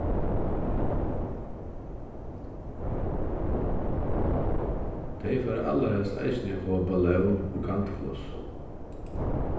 tey fara allarhelst eisini at fáa ballón og candyfloss